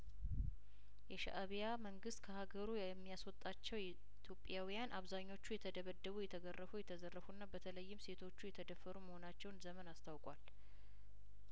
የሻእቢያ መንግስት ከሀገሩ የሚያስ ወጣቸው የኢትዮጵያውያን አብዛኞቹ የተደበደቡ የተገረፉ የተዘረፉና በተለይም ሴቶቹ የተደፈሩ መሆናቸውን ዘመን አስታውቋል